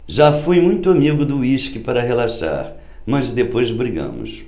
já fui muito amigo do uísque para relaxar mas depois brigamos